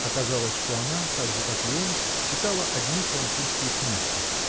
оказалось, что она, так же как и он, читала одни французские книжки